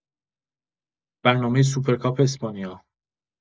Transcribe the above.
برنامه سوپرکاپ اسپانیا